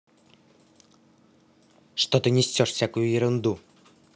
что ты несешь всякую ерунду